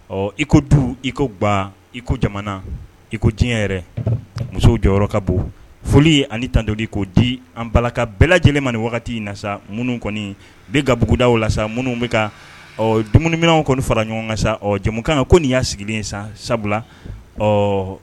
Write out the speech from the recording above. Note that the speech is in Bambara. Ɔ iko du iko ba iko jamana i ko diɲɛ yɛrɛ musow jɔyɔrɔ ka bon foli ani tantedi ko di an bala ka bɛɛ lajɛlen man wagati in na sa minnu kɔni bɛ ka bugudaw la minnu bɛ ka ɔ dumuniminw kɔni fara ɲɔgɔn ka sa jamukan kan ko nin y'a sigilen san sabula ɔ